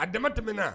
A dama tɛmɛna